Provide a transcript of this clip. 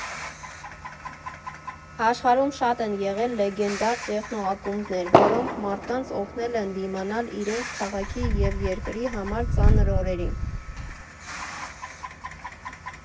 Աշխարհում շատ են եղել լեգենդար տեխնո֊ակումբներ, որոնք մարդկանց օգնել են դիմանալ իրենց քաղաքի և երկրի համար ծանր օրերին։